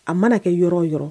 A mana kɛ yɔrɔ yɔrɔ